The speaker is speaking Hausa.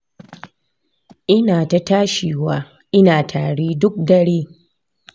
ina ta tashiwa ina tari duk dare